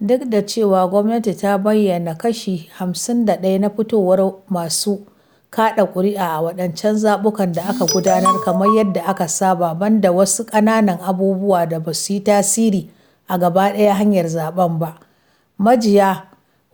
Duk da cewa gwamnati ta bayyana “kashi 51% na fitowar masu kaɗa ƙuri’a a waɗancan zaɓukan da aka gudanar kamar yadda aka saba, banda wasu ƙananan abubuwan da ba su yi tasiri a gaba ɗaya hanyar zaɓen ba” (majiya: MAP),